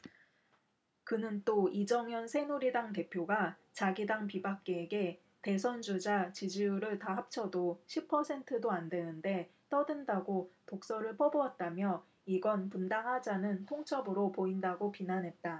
그는 또 이정현 새누리당 대표가 자기 당 비박계에게 대선주자 지지율을 다 합쳐도 십 퍼센트도 안 되는데 떠든다고 독설을 퍼부었다며 이건 분당하자는 통첩으로 보인다고 비난했다